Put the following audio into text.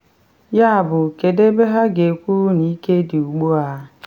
Yabụ kedu ebe ha ga-ekwu na ike dị ugbu a?